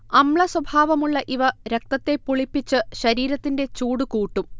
അമ്ലസ്വഭാവമുള്ള ഇവ രക്തത്തെ പുളിപ്പിച്ച് ശരീരത്തിന്റെ ചൂടു കൂട്ടും